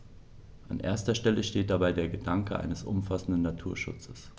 An erster Stelle steht dabei der Gedanke eines umfassenden Naturschutzes.